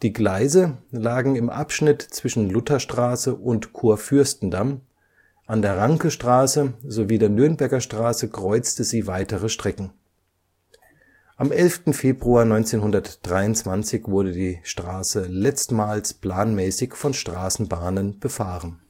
Gleise lagen im Abschnitt zwischen Lutherstraße und Kurfürstendamm, an der Rankestraße sowie der Nürnberger Straße kreuzten sie weitere Strecken. Am 11. Februar 1923 wurde die Straße letztmals planmäßig von Straßenbahnen befahren